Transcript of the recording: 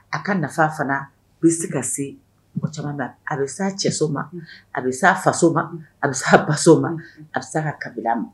A ka nafa fana bɛ se ka se mɔgɔ caaman na , a bɛ se a cɛ so ma , a bɛ se a faso ma, a bɛ se a ba so ma, a bɛ se kabila ma.